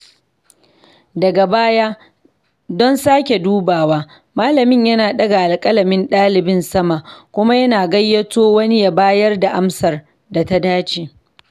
Daga baya, don sake dubawa, malamin yana ɗaga alkalamin ɗalibin sama kuma yana gayyato wani ya bayar da amsar da ta dace